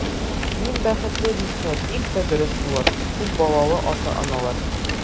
Мин бәхетле, дисә, бик тә дөрес булыр, күп балалы ата-аналар.